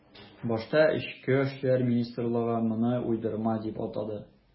Башта эчке эшләр министрлыгы моны уйдырма дип атады.